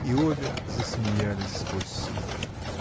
И обе засмеялись сквозь слезы.